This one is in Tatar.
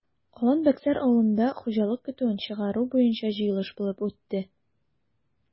Алан-Бәксәр авылында хуҗалык көтүен чыгару буенча җыелыш булып үтте.